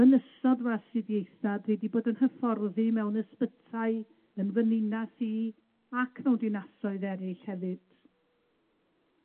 Fy nysodd was i'n ddieithdad, dwi wedi bod yn hyfforddi mewn ysbytai yn fy ninas i ac mewn dinasoedd eraill hefyd.